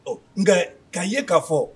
Ɔ nka k'a ye k kaa fɔ